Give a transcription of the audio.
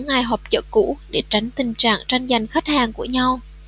ngày họp chợ cũ để tránh tình trạng tranh giành khách hàng của nhau